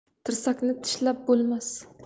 tirsakni tishlab bo'lmas